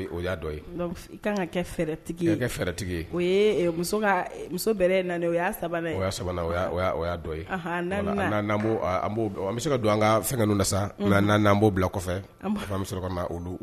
Katigi muso o ye an bɛ se ka don an ka fɛn na saan b'o bila kɔfɛ bɛ sɔrɔ ka o don